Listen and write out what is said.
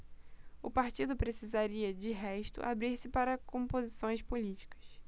o partido precisaria de resto abrir-se para composições políticas